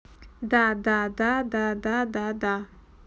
да да да да да да да